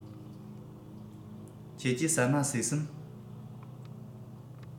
ཁྱེད ཀྱིས ཟ མ ཟོས སམ